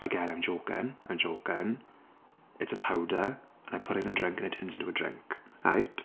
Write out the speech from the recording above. Again, I'm joking. I'm joking. It's a powder and I put it in a drink, and it turns into a drink. Right?